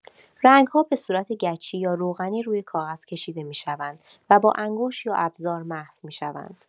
رنگ‌ها به‌صورت گچی یا روغنی روی کاغذ کشیده می‌شوند و با انگشت یا ابزار محو می‌شوند.